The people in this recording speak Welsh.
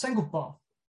sai'n gwbo.